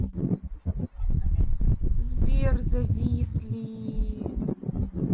сбер зависли